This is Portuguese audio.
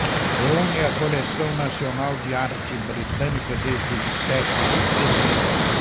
reúne a coleção nacional de arte britânica desde o século dezessete